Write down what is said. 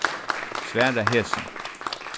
svara hesum